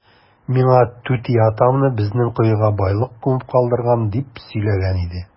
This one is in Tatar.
Миңа түти атамны безнең коега байлык күмеп калдырган дип сөйләгән иде.